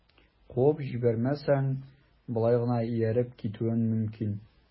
Куып җибәрмәсәң, болай гына ияреп китүем мөмкин...